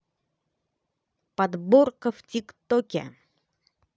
подборка в тик токе